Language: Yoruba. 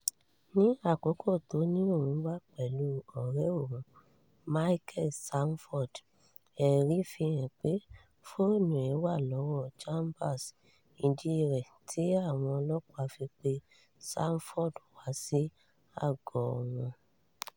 Ní àkókò tó ní òun wà pẹ̀lú ọ̀rẹ́ òun, Michael Sanford, ẹ̀rí fi hàn pé fóònù ẹ̀ wà lọ́wọ́ Chambers. Ìdí rèé tí àwọn ọlọ́pàá fi pe Sanford wá sí àágọ wọn.